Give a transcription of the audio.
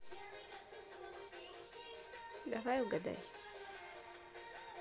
давай угадай